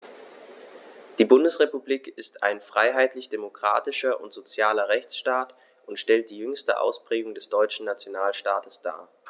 Die Bundesrepublik ist ein freiheitlich-demokratischer und sozialer Rechtsstaat und stellt die jüngste Ausprägung des deutschen Nationalstaates dar.